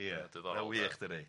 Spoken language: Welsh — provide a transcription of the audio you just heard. ma'n wych dydi?